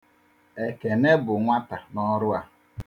Ekene bụ nwata n'ọrụ a.